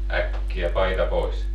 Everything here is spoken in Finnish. äkkiä paita pois